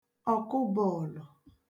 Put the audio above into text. ọ̀kụbọ̄ọ̀lụ̀